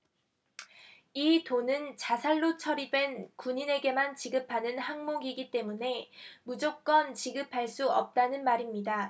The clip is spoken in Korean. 이 돈은 자살로 처리된 군인에게만 지급하는 항목이기 때문에 무조건 지급할 수 없다는 말입니다